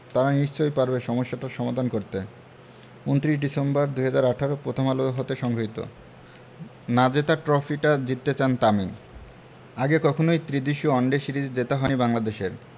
তারা নিশ্চয়ই পারবে সমস্যাটার সমাধান করতে ২৯ ডিসেম্বর ২০১৮ প্রথম আলো হতে সংগৃহীত না জেতা ট্রফিটা জিততে চান তামিম আগে কখনোই ত্রিদেশীয় ওয়ানডে সিরিজ জেতা হয়নি বাংলাদেশের